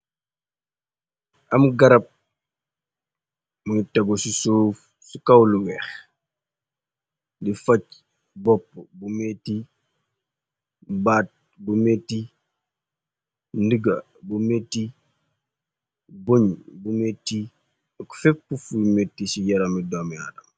Am garab mu ngi tegu ci suuf ci kaw lu weex, di faj bopp bu meeti, baat bu meti, ndiga bu meti, buñ bu metti, ak feepu fuy meti ci yarami doami aadama.